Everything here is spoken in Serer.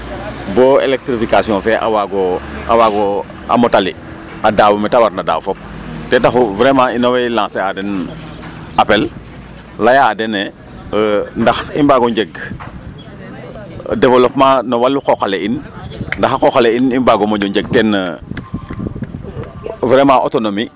Bo électrification a waago a waago o a motali a daaw me ta warna o daaw fop ten texu vraiment ino wo lancé a den appel laya den ee ndax i mbaago njeg développement no walum qooq ale in ndax a qooq ale i mbaagino moƴo njeg teen vraiment autonomie.